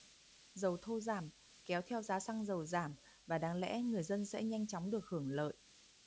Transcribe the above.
dầu thô giảm kéo theo giá xăng dầu giảm và đáng lẽ người dân sẽ nhanh chóng được hưởng lợi